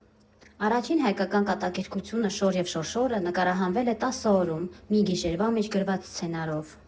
Առաջին հայկական կատակերգությունը՝ «Շոր և Շորշորը» նկարահանվել է տասը օրում՝ մի գիշերվա մեջ գրված սցենարով։